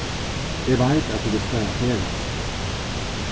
eg veit at tú vilt fara at ferðast